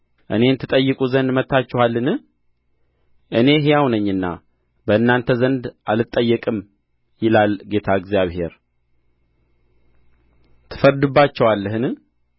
እኔን ትጠይቁ ዘንድ መጥታችኋልን እኔ ሕያው ነኝና በእናንተ ዘንድ አልጠየቅም ይላል ጌታ እግዚአብሔር ትፈርድባቸዋለህን